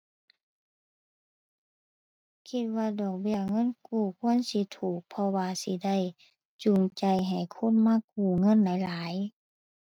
คิดว่าดอกเบี้ยเงินกู้ควรสิถูก เพราะว่าสิได้จูงใจให้คนมากู้เงินหลายหลาย